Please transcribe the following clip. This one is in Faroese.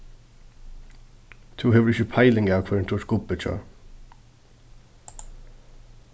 tú hevur ikki peiling av hvørjum tú er gubbi hjá